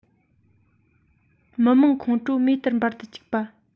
མི དམངས ཁོང ཁྲོ མེ ལྟར འབར དུ བཅུག པ